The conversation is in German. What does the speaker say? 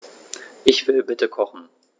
Ich will bitte kochen.